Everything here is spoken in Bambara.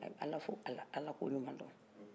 a ye ala fo ka ala koyma don